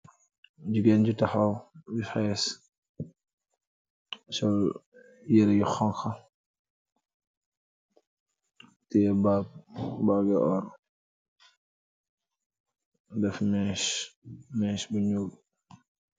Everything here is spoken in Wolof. Jigeen ju taxaw ju xees, sol yërayu xonxa teye bag, bage oor def mees, mees bu nyuul